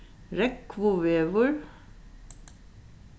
rógvuvegur